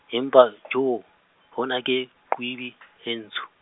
empa joo, hona ke, qwabi , e ntsho.